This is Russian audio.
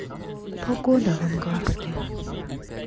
погода в ангарске